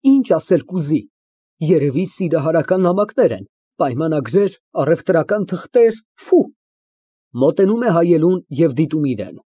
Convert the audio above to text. Ինչ ասել կուզիս երևելի սիրահարական նամակներ են ֊ պայմանագրեր, առևտրական թղթեր, ֆի։ (Մոտենում է հայելուն և դիտում իրան)։